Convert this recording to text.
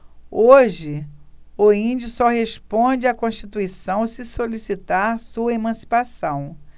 hoje o índio só responde à constituição se solicitar sua emancipação